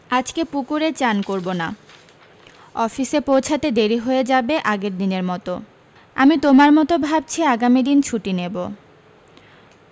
আজকে পুকুরে চান করবো না অফিসে পৌছাতে দেরি হয়ে যাবে আগের দিনের মতো আমি তোমার মতো ভাবছি আগামী দিন ছুটি নেব